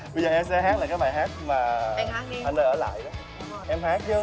bây giờ em sẽ hát lại cái bài hát mà anh ơi ở lại đó em hát chứ